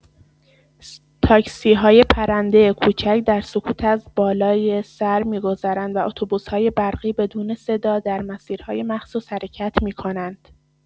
تاکسی‌های پرنده کوچک در سکوت از بالای سر می‌گذرند و اتوبوس‌های برقی بدون صدا در مسیرهای مخصوص حرکت می‌کنند.